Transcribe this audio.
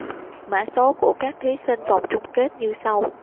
mã số của các thí sinh vòng chung kết như sau